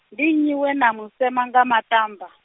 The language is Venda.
ndi nnyi we na mu sema nga maṱamba?